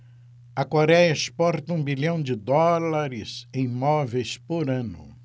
a coréia exporta um bilhão de dólares em móveis por ano